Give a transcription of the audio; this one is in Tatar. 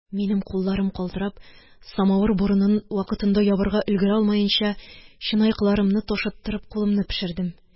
Минем кулларым калтырап, самавыр борынын вакытында ябарга өлгерә алмаенча, чынаякларымны ташыттырып, кулымны пешердем.